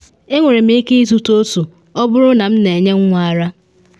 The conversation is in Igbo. Enwere m ike ịzụta otu ọ bụrụ na m na enye nwa ara.